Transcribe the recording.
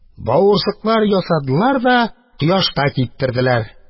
Бавырсаклар ясадылар да кояшта киптерделәр.